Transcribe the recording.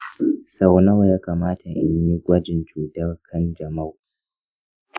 sau nawa ya kamata in yi gwajin cutar kanjamau ?